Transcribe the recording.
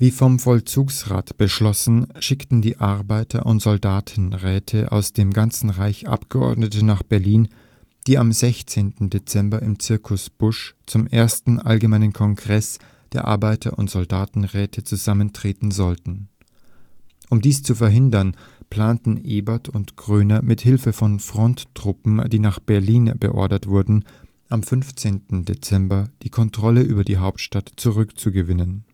vom Vollzugsrat beschlossen, schickten die Arbeiter - und Soldatenräte aus dem ganzen Reich Abgeordnete nach Berlin, die am 16. Dezember im Circus Busch zum Ersten Allgemeinen Kongress der Arbeiter - und Soldatenräte zusammentreten sollten. Um dies zu verhindern, planten Ebert und Groener mit Hilfe von Fronttruppen, die nach Berlin beordert wurden, am 15. Dezember die Kontrolle über die Hauptstadt zurückzugewinnen